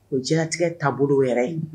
O diɲɛnatigɛ taabolo yɛrɛ ye.